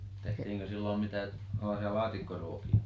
tehtiinkö silloin mitään sellaisia laatikkoruokia